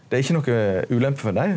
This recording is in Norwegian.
det er ikkje noka ulempe for dei.